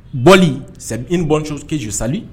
Bɔ sɛ i ni bɔ kesu sali